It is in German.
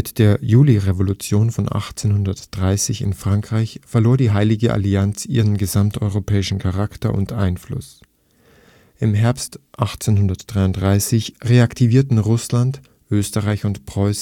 der Julirevolution von 1830 in Frankreich verlor die Heilige Allianz ihren gesamteuropäischen Charakter und Einfluss. Im Herbst 1833 reaktivierten Russland, Österreich und Preußen